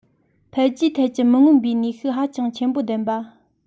འཕེལ རྒྱས ཐད ཀྱི མི མངོན པའི ནུས ཤུགས ཧ ཅང ཆེན པོ ལྡན པ